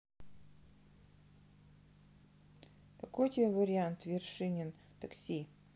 какой тебе вариант вершинин такси